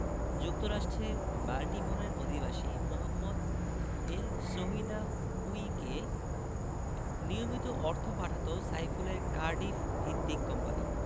যুক্তরাষ্ট্রের বাল্টিমোরের অধিবাসী মোহাম্মদ এলসহিনাউয়িকে নিয়মিত অর্থ পাঠাত সাইফুলের কার্ডিফভিত্তিক কোম্পানি